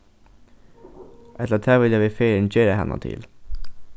ella tað vilja vit fegin gera hana til